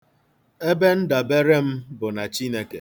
Ebe ndabere m bụ na Chineke.